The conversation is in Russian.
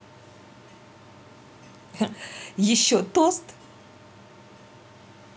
еще тост